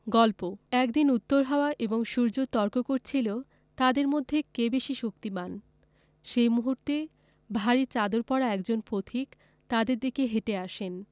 গল্প একদিন উত্তর হাওয়া এবং সূর্য তর্ক করছিল তাদের মধ্যে কে বেশি শক্তিমান সেই মুহূর্তে ভারি চাদর পরা একজন পথিক তাদের দিকে হেটে আসেন